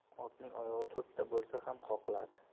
otning oyog'i to'rtta bo'lsa ham qoqiladi